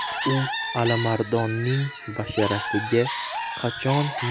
u alimardonning basharasiga qachon